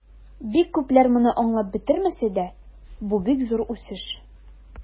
Бик күпләр моны аңлап бетермәсә дә, бу бик зур үсеш.